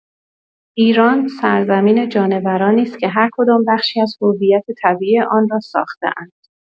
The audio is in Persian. ایران سرزمین جانورانی است که هرکدام بخشی از هویت طبیعی آن را ساخته‌اند.